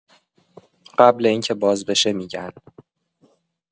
قبل اینکه باز بشه می‌گن